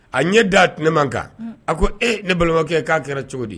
A ɲɛ d'a t ne man kan a ko e ne balimakɛ k'an kɛra cogo di